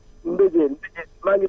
Mbéjéen maa ngi